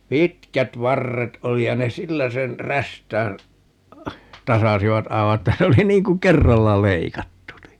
pitkät varret oli ja ne sillä sen räystään tasasivat aivan että se oli niin kuin kerralla leikattu niin